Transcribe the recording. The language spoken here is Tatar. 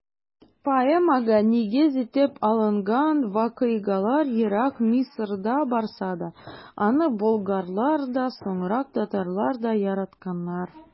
Поэмага нигез итеп алынган вакыйгалар ерак Мисырда барса да, аны болгарлар да, соңрак татарлар да яратканнар.